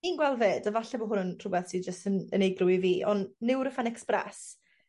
Fi'n gweld 'fyd a falle bo' hwn yn rhwbeth sy jyst yn unigryw i fi on' Nurofen Express